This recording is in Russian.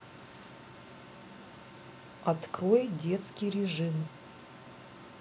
открой детский режим